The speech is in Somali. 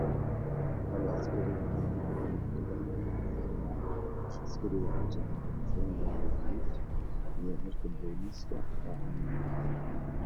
Waa askari marayo waddada wuxuu u taa gan telefoon iyo tuuto cagaare cadaan isku jira iyo koofi